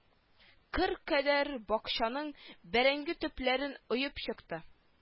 Кыр кадәр бакчаның бәрәңге төпләрен оеп чыкты